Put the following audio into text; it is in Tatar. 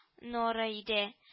Нора иде